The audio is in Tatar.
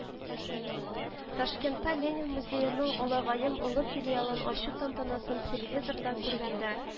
Ташкентта Ленин музееның алагаем олы филиалын ачу тантанасын телевизордан күргәндә